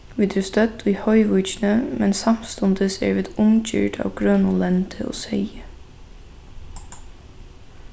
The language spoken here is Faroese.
vit eru stødd í hoyvíkini men samstundis eru vit umgyrd av grønum lendi og seyði